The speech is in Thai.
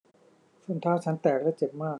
ส้นเท้าฉันแตกและเจ็บมาก